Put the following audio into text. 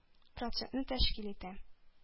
Процентны тәшкил иткән.